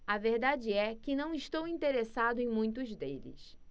a verdade é que não estou interessado em muitos deles